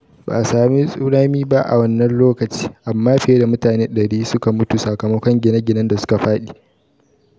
Ba a sami tsunami ba a wannan lokaci, amma fiye da mutane 100 suka mutu sakamakon gine-ginen da suka fadi.